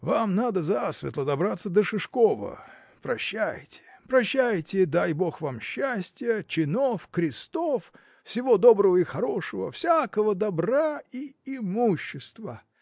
вам надо засветло добраться до Шишкова. Прощайте прощайте дай бог вам счастья чинов крестов всего доброго и хорошего всякого добра и имущества!!!